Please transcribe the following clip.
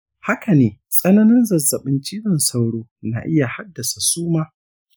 haka ne, tsananin zazzabin cizon sauro na iya haddasa suma.